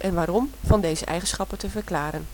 waarom van deze eigenschappen te verklaren